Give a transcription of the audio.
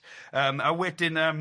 Yym a wedyn yym.